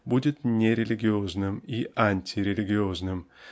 будет нерелигиозным и антирелигиозным